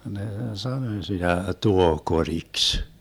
ne sanoi sitä tuohikoriksi